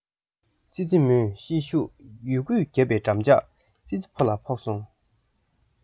ཙི ཙི མོས ཤེད ཤུགས ཡོད རྒུས བརྒྱབ པའི འགྲམ ལྕག ཙི ཙི ཕོ ལ ཕོག སོང